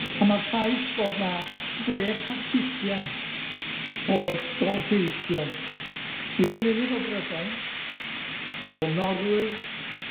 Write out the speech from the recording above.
A ma'r ffaith bod 'na chwech ar hugian o ysgolheigion, nid yn unig o Brydain, ond o Norwy,